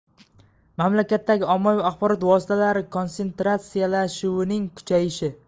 mamlakatdagi ommaviy axborot vositalari kontsentratsiyalashuvining kuchayishi